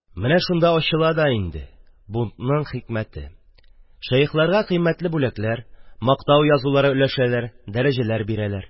Менә шунда ачыла да инде бунтның хикмәте: шәехләргә кыйммәтле бүләкләр, мактау язулары өләшәләр, дәрәҗәләр бирәләр.